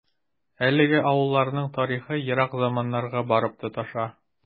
Әлеге авылларның тарихы ерак заманнарга барып тоташа.